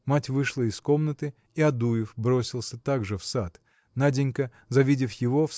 Мать вышла из комнаты, и Адуев бросился также в сад. Наденька завидев его